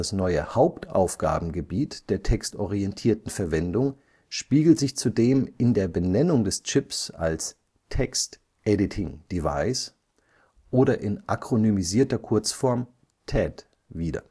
neue Hauptaufgabengebiet der textorientierten Verwendung spiegelt sich zudem in der Benennung des Chips als Text Editing Device oder in akronymisierter Kurzform TED wider